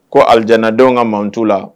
Ko alinadenw ka maaw t tu la